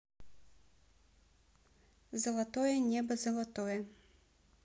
золотое небо золотое